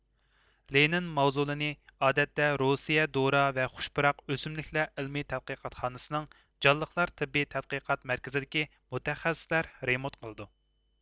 لېنىن ماۋزۇلىنى ئادەتتە روسىيە دورا ۋە خۇش پۇراق ئۆسۈملۈكلەر ئىلمىي تەتقىقاتخانىسىنىڭ جانلىقلار تېببىي تەتقىقات مەركىزىدىكى مۇتەخەسسىسلەر رېمونت قىلىدۇ